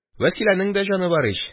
Вәсиләнең дә җаны бар ич